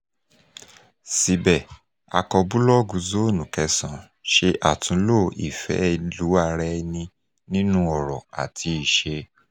Síbẹ̀, akọbúlọ́ọ̀gù Zone9 ṣe àtúnlò ìfẹ́-ìlú-ẹni nínú ọ̀rọ̀ àti ìṣe.